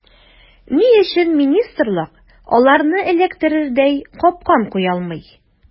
Ни өчен министрлык аларны эләктерердәй “капкан” куя алмый.